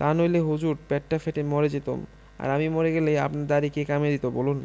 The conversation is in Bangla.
তানইলে হুজুর পেটটা ফেটে মরে যেতুমআর আমি মরে গেলে আপনার দাড়ি কে কমিয়ে দিত বলুন